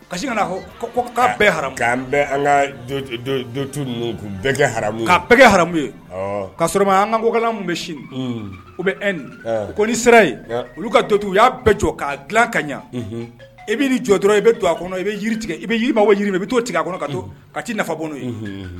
Kasi ka na katu bɛɛ kɛ' bɛɛ kɛ hamu ye k'a sɔrɔma an ka kokalalan bɛ sini u bɛ e ni ko ni sera yen olu ka dontu u y'a bɛɛ jɔ k'a dila ka ɲɛ i bɛ ni jɔ dɔrɔn i bɛ to a kɔnɔ i bɛ jiri tigɛ i bɛ jiriiriba jiriiri i bɛ t too tigɛ a kɔnɔ ka to ka ci nafa bolo ye